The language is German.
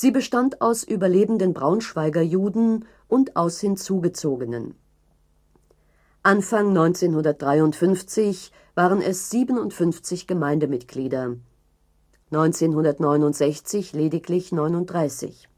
bestand aus überlebenden Braunschweiger Juden und aus hinzugezogenen. Anfang 1953 waren es 57 Gemeindemitglieder, 1969 lediglich 39